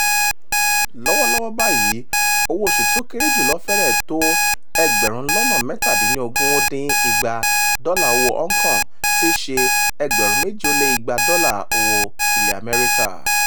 Lọ́wọ́lọ́wọ́ báyìí, owó oṣù tí ó kéré jù lọ fẹ́rẹ̀ tó $16,800 dọ́là owó Hong Kong tí ń ṣe ($2,200 dọ́là owó US).